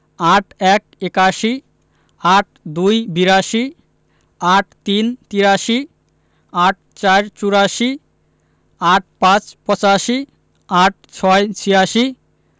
৮১ – একাশি ৮২ – বিরাশি ৮৩ – তিরাশি ৮৪ – চুরাশি ৮৫ – পঁচাশি ৮৬ – ছিয়াশি